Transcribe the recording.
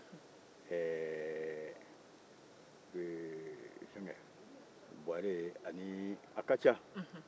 ɛɛ eee fingɛ bɔre ani a ka ca